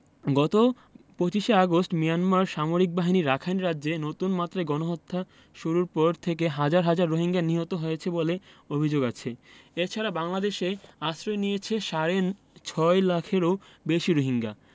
গত ২৫ August Myanmar সামরিক বাহিনী রাখাইন রাজ্যে নতুন মাত্রায় গণহত্যা শুরুর পর থেকে হাজার হাজার রোহিঙ্গা নিহত হয়েছে বলে অভিযোগ আছে এ ছাড়া বাংলাদেশে আশ্রয় নিয়েছে সাড়ে ছয় লাখেরও বেশি রোহিঙ্গা